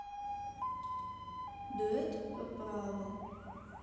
дуэт по праву